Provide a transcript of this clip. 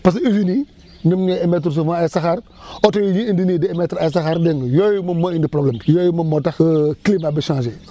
parce que usines yi ñoom ñooy émettre souvent ay saxaar oto yi ñuy indi nii di émettre ay saxaar dégg nga yooyu moo indi problème bi yooyu moom moo tax climat bi changé